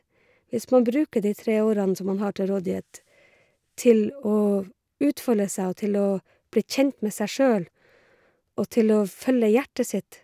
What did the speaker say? Hvis man bruker de tre årene som man har til rådighet til å utfolde seg og til å bli kjent med seg sjøl og til å følge hjertet sitt.